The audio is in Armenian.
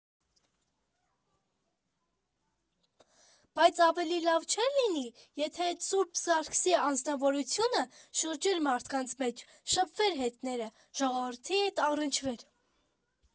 Բայց ավելի լավ չէ՞ր լինի, եթե էտ Սուրբ Սարգսի անձնավորությունը շրջեր մարդկանց մեջ, շփվեր հետները, ժողովրդի հետ առնչվեր։